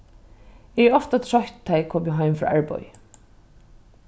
eg eri ofta troytt tá ið eg komi heim frá arbeiði